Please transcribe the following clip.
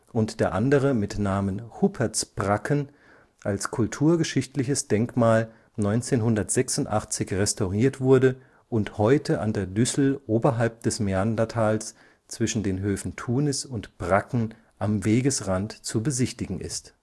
und der andere mit Namen Huppertsbracken als kulturgeschichtliches Denkmal 1986 restauriert wurde und heute an der Düssel oberhalb des Neandertales (zwischen den Höfen Thunis und Bracken) am Wegesrand zu besichtigen ist